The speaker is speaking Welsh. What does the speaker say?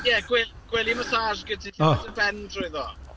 Ie, gwe- gwely massage ... O. ...Ti'n gallu rhoi dy ben drwyddo.